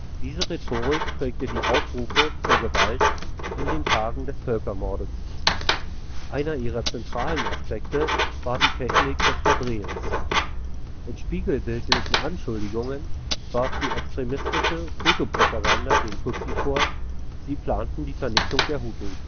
Diese Rhetorik prägte die Aufrufe zur Gewalt in den Tagen des Völkermords. Einer ihrer zentralen Aspekte war die Technik des Verdrehens. In spiegelbildlichen Anschuldigungen warf die extremistische Hutu-Propaganda den Tutsi vor, sie planten die Vernichtung der Hutu